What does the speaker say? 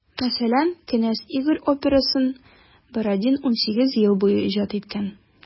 Мәсәлән, «Кенәз Игорь» операсын Бородин 18 ел буе иҗат иткән.